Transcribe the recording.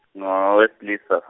ngowes'lisa.